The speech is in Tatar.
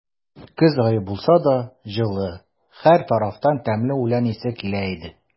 Көз ае булса да, җылы; һәр тарафтан тәмле үлән исе килә иде.